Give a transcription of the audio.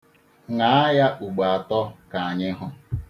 Ṅaa ya ugbo atọ ka anyị hụ.